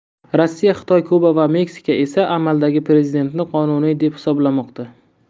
rossiya xitoy kuba va meksika esa amaldagi prezidentni qonuniy deb hisoblamoqda